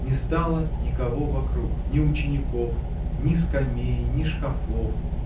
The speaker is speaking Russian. Не стало никого вокруг: ни учеников, ни скамей, ни шкафов.